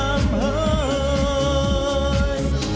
hỡi